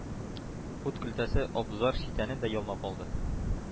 Ут көлтәсе абзар читәнен дә ялмап алды.